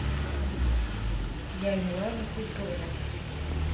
я милана пусть говорят